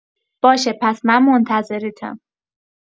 باشه پس من منتظرتم.